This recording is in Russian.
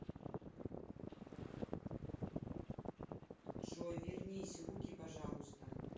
джой вернись руки пожалуйста